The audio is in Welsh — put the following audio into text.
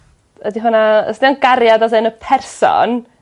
Ydi hwnna os 'di o'n gariad as in y person